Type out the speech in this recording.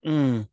Mm.